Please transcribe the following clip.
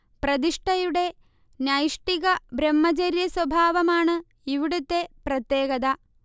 പ്രതിഷ്ഠയുടെ നൈഷ്ഠിക ബ്രഹ്മചര്യ സ്വഭാവമാണ് ഇവിടുത്തെ പ്രത്യേകത